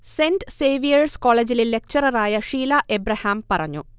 saint Xavier's കോളേജിലെ lecturer ആയ Sheela Abraham പറഞ്ഞു